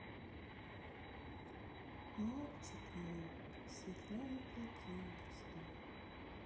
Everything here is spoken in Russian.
мальчик мой светлана владимирская